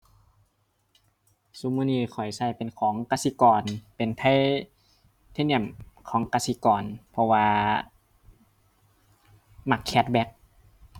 ซุมื้อนี้ข้อยใช้เป็นของกสิกร เป็น Titanuim ของกสิกร เพราะว่ามักแคชแบ็ก